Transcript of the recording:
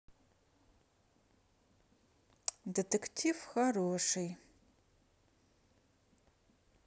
детектив хороший